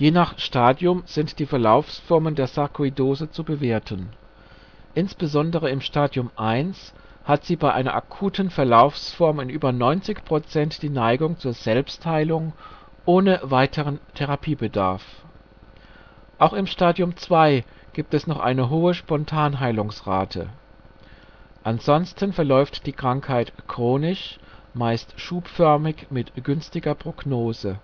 nach Stadium sind die Verlaufsformen der Sarkoidose zu bewerten. Insbesondere im Stadium I hat sie bei einer akuten Verlaufsform in über 90% die Neigung zur Selbstheilung ohne weiterem Therapiebeadarf. Auch im Stadium II gibt es noch eine hohe Spontanheilungsrate. Ansonsten verläuft die Krankheit chronisch, meist schubförmig mit günstiger Prognose